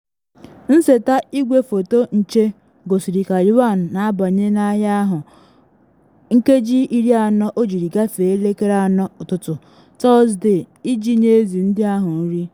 Nseta igwefoto nche gosiri ka Yuan na abanye n’ahịa ahụ 4:40 ụtụtụ Tọsde iji nye ezi ndị ahụ nri.